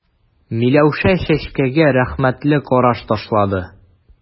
Миләүшә Чәчкәгә рәхмәтле караш ташлады.